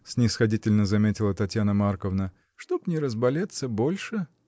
— снисходительно заметила Татьяна Марковна, — чтоб не разболеться больше.